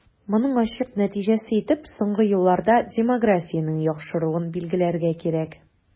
Моның ачык нәтиҗәсе итеп соңгы елларда демографиянең яхшыруын билгеләргә кирәк.